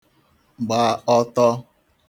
gba ọ̀tọ̄